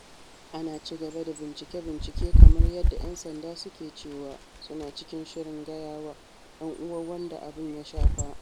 Ana ci gaba da bincike-bincike kamar yadda ‘yan sanda suke cewa suna cikin shirin gaya wa ‘yan uwan wadda abin ya shafa.